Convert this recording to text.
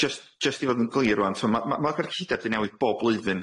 Jyst- jyst i fod yn glir rŵan, t'mo' ma' ma' ma'r gyllideb 'di newid bob blwyddyn